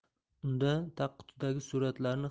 unda tagqutidagi suratlarni